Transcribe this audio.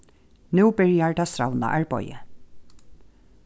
nú byrjar tað strævna arbeiðið